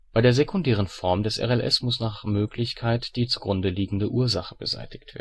Bei der sekundären Form des RLS muss nach Möglichkeit die zugrundeliegende Ursache beseitigt